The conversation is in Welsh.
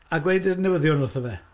A gweud yr newyddion wrtho fe.